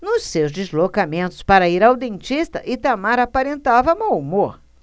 nos seus deslocamentos para ir ao dentista itamar aparentava mau humor